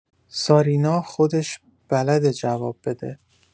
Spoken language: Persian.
سارینا خودش بلده جواب بده